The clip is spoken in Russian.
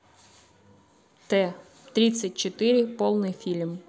т тридцать четыре полный фильм